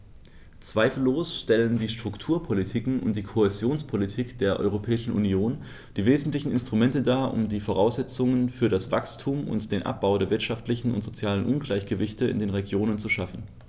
Zweifellos stellen die Strukturpolitiken und die Kohäsionspolitik der Europäischen Union die wesentlichen Instrumente dar, um die Voraussetzungen für das Wachstum und den Abbau der wirtschaftlichen und sozialen Ungleichgewichte in den Regionen zu schaffen.